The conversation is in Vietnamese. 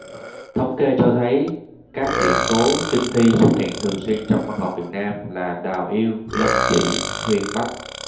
thống kê cho thấy các điển cố kinh thi xuất hiện thường xuyên trong văn học việt nam là đào yêu lân chỉ thuyền bách